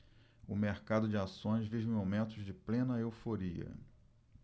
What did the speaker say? o mercado de ações vive momentos de plena euforia